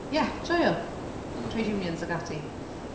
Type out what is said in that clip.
Ie joio.... Mm. ...Trade Unions ag ati.